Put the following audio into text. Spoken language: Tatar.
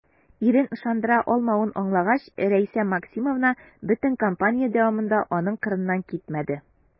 Ирен ышандыра алмавын аңлагач, Раиса Максимовна бөтен кампания дәвамында аның кырыннан китмәде.